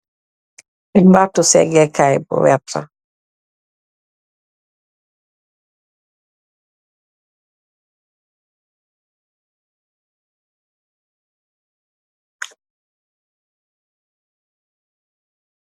Li marto sengekaye bou werrta